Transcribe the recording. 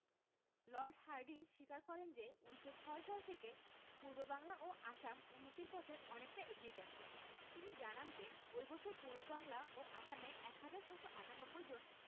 Lord Hardinge স্বীকার করেন যে ১৯০৬ সাল থেকে পূর্ববাংলা ও আসাম উন্নতির পথে অনেকটা এগিয়ে গেছে তিনি জানান যে ওই বছর পূর্ববাংলা ও আসামে ১ হাজার ৬৯৮ জন